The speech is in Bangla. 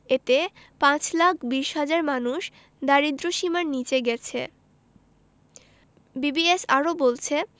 এতে ৫ লাখ ২০ হাজার মানুষ দারিদ্র্যসীমার নিচে গেছে বিবিএস আরও বলছে